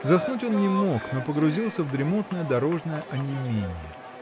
Заснуть он не мог, но погрузился в дремотное дорожное онемение.